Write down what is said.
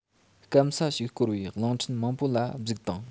སྐམ ས ཞིག བསྐོར བའི གླིང ཕྲན མང པོ ལ གཟིགས དང